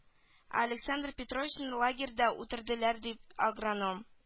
Ә александр петровичны лагерьда үтерделәр диде агроном